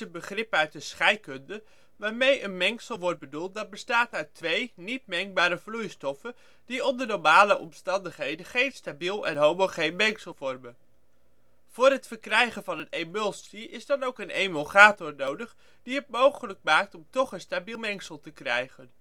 begrip uit de scheikunde waarmee een mengsel wordt bedoeld dat bestaat uit twee niet mengbare vloeistoffen die onder normale omstandigheden geen stabiel en homogeen mengsel vormen. Voor het verkrijgen van een emulsie is dan ook een emulgator nodig die het mogelijk maakt om toch een stabiel mengsel te krijgen